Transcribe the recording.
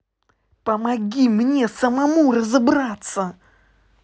помоги мне самому разобраться